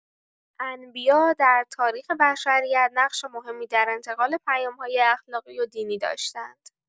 انبیاء در تاریخ بشریت نقش مهمی در انتقال پیام‌های اخلاقی و دینی داشته‌اند.